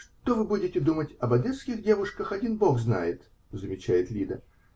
-- Что вы будете думать об одесских девушках, один бог знает, -- замечает Лида.